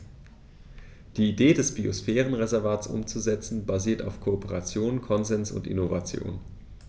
Die Idee des Biosphärenreservates umzusetzen, basiert auf Kooperation, Konsens und Innovation.